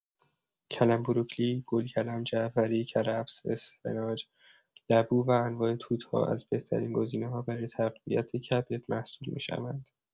کلم‌بروکلی، گل‌کلم، جعفری، کرفس، اسفناج، لبو و انواع توت‌ها از بهترین گزینه‌ها برای تقویت کبد محسوب می‌شوند.